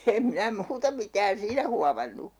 en minä muuta mitään siinä huomannut